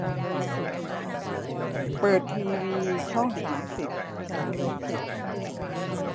เปิดทีวีช่องสามสิบ